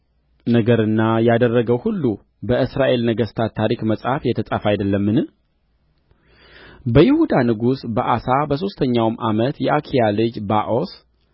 ነገርና ያደረገው ሁሉ በእስራኤል ነገሥታት ታሪክ መጽሐፍ የተጻፈ አይደለምን በይሁዳም ንጉሥ በአሳ በሦስተኛው ዓመት የአኪያ ልጅ ባኦስ